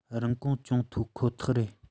རིན གོང ཅུང མཐོ ཁོ ཐག རེད